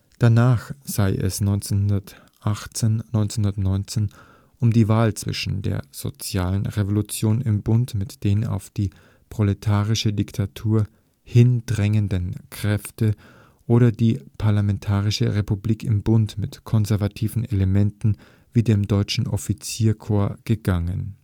Danach sei es 1918 / 19 um die Wahl zwischen der „ sozialen Revolution im Bund mit den auf die proletarische Diktatur hindrängenden Kräfte oder die parlamentarische Republik im Bund mit konservativen Elementen wie dem deutschen Offizierskorps “gegangen